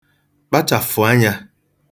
kpachàfụ̀ anyā